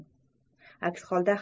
aks holda